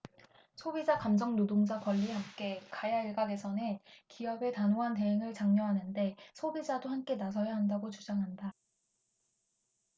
소비자 감정노동자 권리 함께 가야일각에서는 기업의 단호한 대응을 장려하는데 소비자도 함께 나서야 한다고 주장한다